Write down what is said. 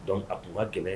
Donc a kuma kɛmɛ